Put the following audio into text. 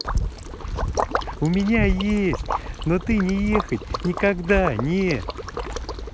у меня есть но ты не ехать никогда не